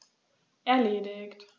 Erledigt.